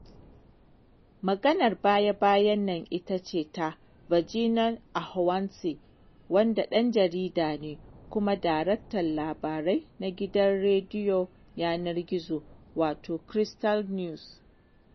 Maganar baya-baya nan ita ce ta Virgile Ahouansè, wanda ɗan jarida ne kuma daraktan labarai na gidan rediyon yanar gizo, wato Crystal News.